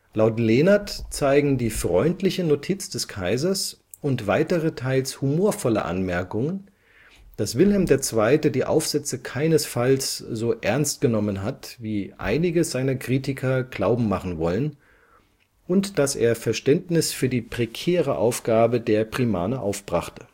Laut Lehnert zeigen die freundliche Notiz des Kaisers und weitere teils humorvolle Anmerkungen, dass Wilhelm II. die Aufsätze keinesfalls so ernst genommen hat, „ wie einige seiner Kritiker glauben machen wollen “, und dass er Verständnis für die prekäre Aufgabe der Primaner aufbrachte